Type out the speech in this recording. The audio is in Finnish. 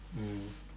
mm